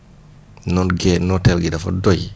noot gee nooteel gi dafa doy